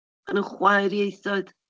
Maen nhw'n chwaer ieithoedd.